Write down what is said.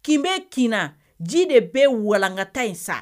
Kin bɛ kin na ji de bɛ walankata in sa